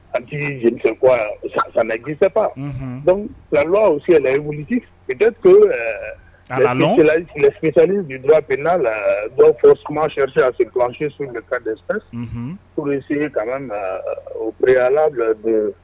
An tigi ji kuwa sami gesep lariba sɛ wulisisisali bi du bɛa la dɔw fɔ kuma fɛ a se ansisiw ka walasa sigi kana na ourla don